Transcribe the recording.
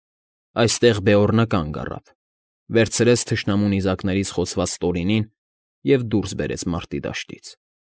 Այստեղ Բեորնը կանգ առավ, վերցրեց թշնամու նիզակներից խոցված Տորինին և դուրս բերեց մարտի դաշտից։